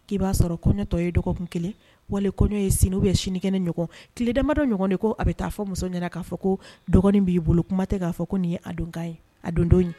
K'i b'a sɔrɔ ko kɔɲɔtɔ ye dɔgɔkun kelen wali kɔɲɔ ye sini u ye sinikɛnɛ ɲɔgɔn tile damabadɔ ɲɔgɔn de ko a bɛ taa fɔ muso ɲɛna k'a fɔ ko dɔgɔnin b'i bolo kuma tɛ k'a fɔ ko nin ye a donkan ye a don